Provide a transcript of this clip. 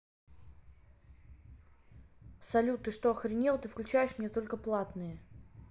салют ты что охренел ты включаешь мне только платные